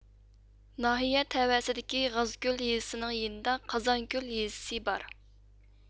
ناھىيە تەۋەسىدىكى غازكۆل يېزىسىنىڭ يېنىدا قازانكۆل يېزىسى بار